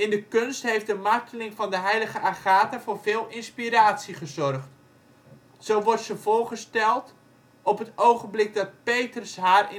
de kunst heeft de marteling van de heilige Agatha voor veel inspiratie gezorgd. Zo wordt ze voorgesteld: op het ogenblik dat Petrus haar